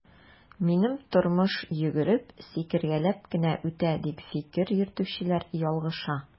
Минем тормыш йөгереп, сикергәләп кенә үтә, дип фикер йөртүчеләр ялгыша.